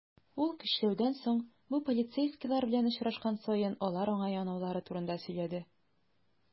Ул, көчләүдән соң, бу полицейскийлар белән очрашкан саен, алар аңа янаулары турында сөйләде.